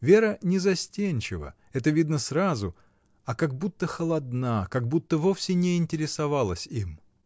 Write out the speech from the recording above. Вера не застенчива: это видно сразу, а как будто холодна, как будто вовсе не интересовалась им.